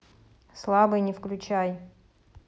слабый не включай